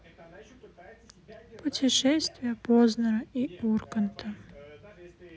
путешествие познера и урганта